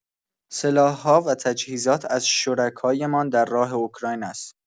سلاح‌ها و تجهیزات از شرکایمان در راه اوکراین است.